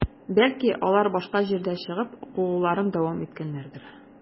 Бәлки, алар башка җирдә чыгып, кууларын дәвам иткәннәрдер?